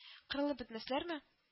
Кырылып бетмәсләрме